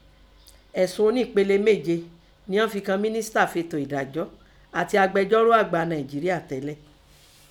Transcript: Ẹ̀sùn onípele méje niọ́n fẹ kan Mínísítà fétò ẹ̀dájọ́ àti agbẹjọ́rò àgbà Nàìnjeríà tẹ́lẹ̀.